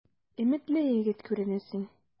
Өметле егет күренәсең.